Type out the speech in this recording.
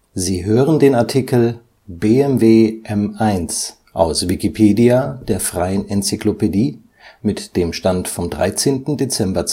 Sie hören den Artikel BMW M1, aus Wikipedia, der freien Enzyklopädie. Mit dem Stand vom Der